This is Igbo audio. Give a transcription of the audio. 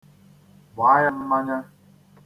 Gbaa ya mmanya.